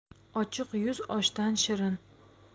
ochiq yuz oshdan shirin